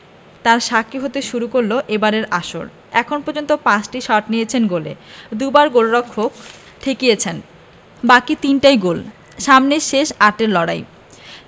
জানান দিয়েছিলেন কী এত বিস্ময় প্রতিভা আসতে যাচ্ছে পেলে শেষ পর্যন্ত ক্যারিয়ারের ইতি টেনেছিলেন তিনটি বিশ্বকাপ জিতে এমবাপ্পের এ তো মাত্রই শুরু